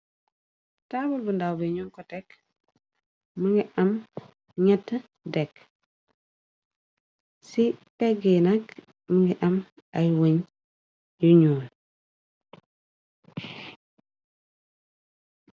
Taawal bu ndaw bi ñoon ko tekk mënga am gñett dekk ci teggi nak më nga am ay wëñ yu ñuon.